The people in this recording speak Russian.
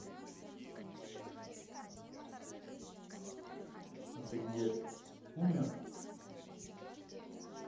а ты где умер